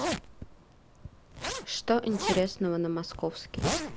что интересного на московский